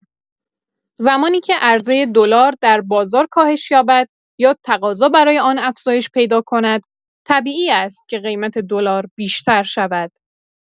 زمانی که عرضه دلار در بازار کاهش یابد یا تقاضا برای آن افزایش پیدا کند، طبیعی است که قیمت دلار بیشتر شود.